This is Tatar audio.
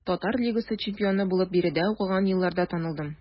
Татар лигасы чемпионы булып биредә укыган елларда танылдым.